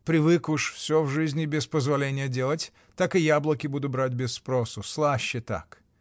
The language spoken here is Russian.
привык уж всё в жизни без позволения делать, так и яблоки буду брать без спросу: слаще так!